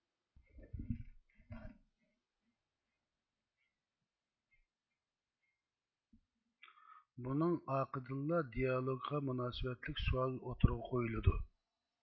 بۇنىڭ ئارقىدىنلا دىئالوگقا مۇناسىۋەتلىك سوئال ئوتتۇرىغا قويۇلىدۇ